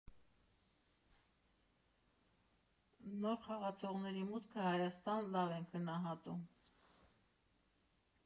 Նոր խաղացողների մուտքը Հայաստան լավ ենք գնահատում։